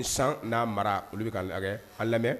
San n'a mara olu bɛ ka an lamɛn